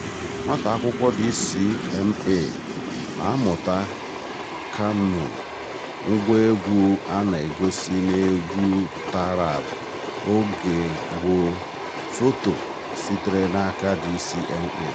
Nwata akwụkwọ DCMA na-amụta kanoon, ngwa egwu a na-egosi n'egwu taarab oge gboo. Foto sitere n'aka DCMA.